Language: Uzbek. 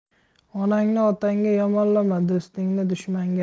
onangni otangga yomonlama do'stingni dushmanga